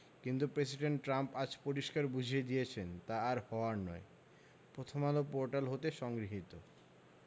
কিন্তু president Trump আজ পরিষ্কার বুঝিয়ে দিয়েছেন তা আর হওয়ার নয় প্রথমআলো পোর্টাল হতে সংগৃহীত